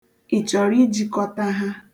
Ị chọrọ ijikọta ha?